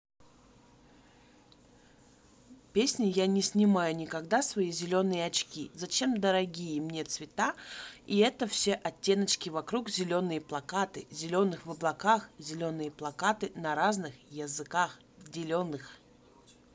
песня я не снимаю никогда свои зеленые очки зачем дорогие мне цвета и это все оттеночки вокруг зеленые плакаты зеленых в облаках зеленые плакаты на разных языках деленных